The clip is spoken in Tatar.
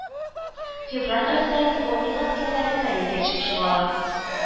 Февраль аенда Япония гаскәрләре Кореягә төшеп чыгалар